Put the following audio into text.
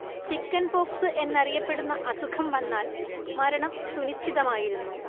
chickenpox എന്നറിയപ്പെടുന്ന അസുഖം വന്നാൽ മരണം സുനിശ്ചിതമായിരുന്നു